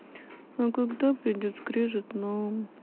а когда придет скрежет нам